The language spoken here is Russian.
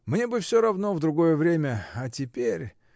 Мне бы всё равно в другое время, а теперь.